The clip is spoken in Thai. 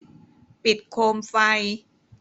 ปิดโคมไฟ